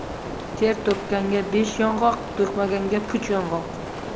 ter to'kkanga besh yong'oq to'kmaganga puch yong'oq